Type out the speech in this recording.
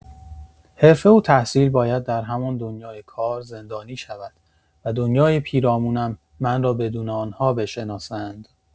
حرفه و تحصیل باید در همان دنیای کار زندانی شود و دنیای پیرامونم من را بدون آن‌ها بشناسند.